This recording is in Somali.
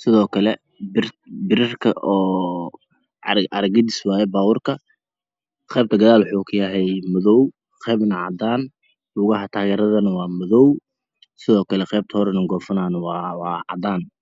sidokale birarka oocaragadiska baaworka gadaal waxa uukayahy madow qaybna cadaan logaha tagaradanah waa madow sidokale qaybta guufanahana waa cadaan